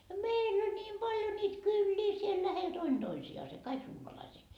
ja meillä oli niin paljon niitä kyliä siellä lähellä toinen toisiansa kaikki suomalaisia